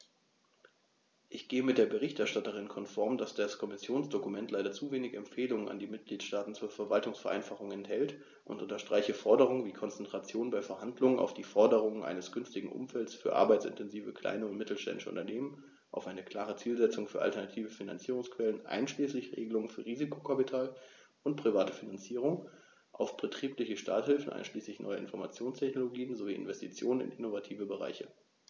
Ich gehe mit der Berichterstatterin konform, dass das Kommissionsdokument leider zu wenig Empfehlungen an die Mitgliedstaaten zur Verwaltungsvereinfachung enthält, und unterstreiche Forderungen wie Konzentration bei Verhandlungen auf die Förderung eines günstigen Umfeldes für arbeitsintensive kleine und mittelständische Unternehmen, auf eine klare Zielsetzung für alternative Finanzierungsquellen einschließlich Regelungen für Risikokapital und private Finanzierung, auf betriebliche Starthilfen einschließlich neuer Informationstechnologien sowie Investitionen in innovativen Bereichen.